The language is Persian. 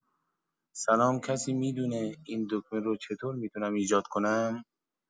سلام کسی می‌دونه این دکمه رو چطور می‌تونم ایجاد کنم؟